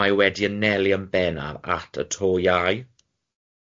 ma' e wedi anelu yn bennaf at y to iau.